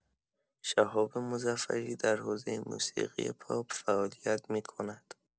شهاب مظفری در حوزه موسیقی پاپ فعالیت می‌کند.